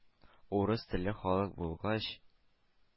«урыс телле халык» булгач,